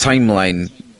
timeline